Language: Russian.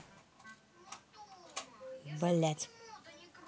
блядь